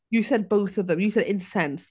You said both of them. You said incensed.